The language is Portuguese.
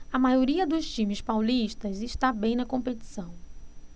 a maioria dos times paulistas está bem na competição